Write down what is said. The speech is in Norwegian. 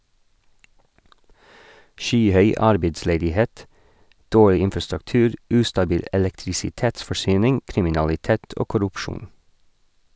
Skyhøy arbeidsledighet, dårlig infrastruktur, ustabil elektrisitetsforsyning, kriminalitet og korrupsjon.